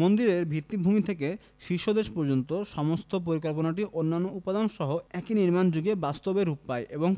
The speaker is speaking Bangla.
মন্দিরের ভিত্তিভূমি থেকে শীর্ষদেশ পর্যন্ত সমস্ত পরিকল্পনাটি অন্যান্য উপাদানসহ একই নির্মাণযুগে বাস্তবে রূপ পায় এবং